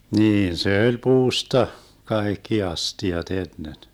niin se oli puusta kaikki astiat ennen